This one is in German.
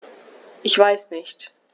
Ich weiß nicht.